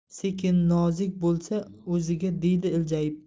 tsekin nodzik bo'tsa o'dziga deydi iljayib